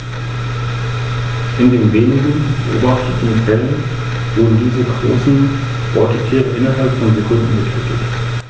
Über das Ansehen dieser Steuerpächter erfährt man etwa in der Bibel.